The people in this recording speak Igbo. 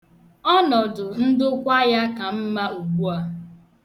Ọnọdụ ndokwa ya ka mma ugbua.